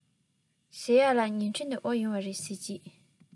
ཟེར ཡས ལ ཉིང ཁྲི ནས དབོར ཡོང བ རེད ཟེར གྱིས